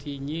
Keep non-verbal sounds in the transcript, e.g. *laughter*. *hesitation*